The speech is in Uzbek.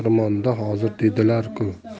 xirmonda hozir deydilar ku